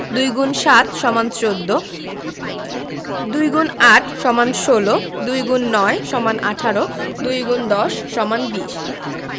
২ X ৭ = ১৪ ২ X ৮ = ১৬ ২ X ৯ = ১৮ ২ ×১০ = ২০